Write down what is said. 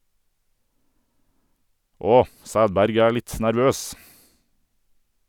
Åh, Sædberg er litt nervøs.